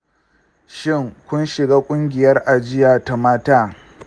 shin kun shiga ƙungiyar ajiya ta mata?